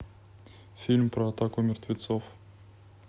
фильм про атаку мертвецов